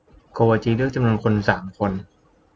โกวาจีเลือกจำนวนคนสามคน